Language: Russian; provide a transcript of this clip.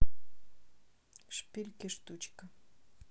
шпильки штучка